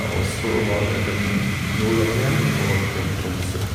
Og så var det tilb nordover igjen og til Tromsø.